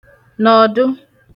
nọ̀dụ